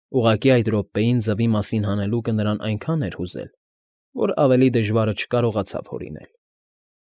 Ուղղակի այդ րոպեին ձվի մասին հանելուկը նրան այնքան էլ հուզել, որ ավելի դժվարը չկարողացավ հորինել։